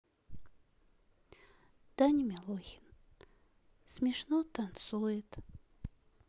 даня милохин смешно танцует